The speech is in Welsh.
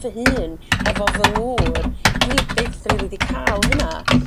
fy hun efo fy ngŵr dwi byth rili 'di ca'l hynna